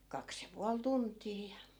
kaksi ja puoli tuntia ja